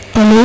alo